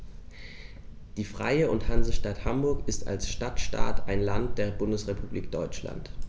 Die Freie und Hansestadt Hamburg ist als Stadtstaat ein Land der Bundesrepublik Deutschland.